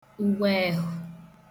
uweehụ